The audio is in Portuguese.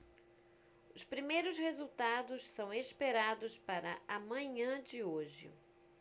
os primeiros resultados são esperados para a manhã de hoje